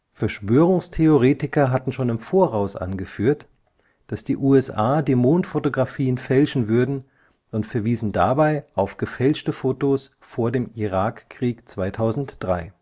Verschwörungstheoretiker hatten schon im Voraus angeführt, dass die USA die Mondfotografien fälschen würden, und verwiesen dabei auf gefälschte Fotos vor dem Irak-Krieg (2003